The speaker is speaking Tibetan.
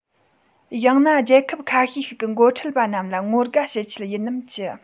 ཡང ན རྒྱལ ཁབ ཁ ཤས ཤིག གི འགོ ཁྲིད པ རྣམས ལ ངོ དགའ བྱེད ཆེད ཡིན ནམ ཅི